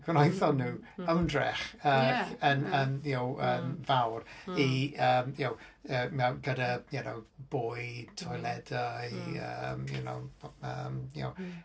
Gwnaethon nhw ymdrech yy yn yn y'know yn fawr i yym y'know mew- gyda y'know bwyd, toiledau you know yym y'know...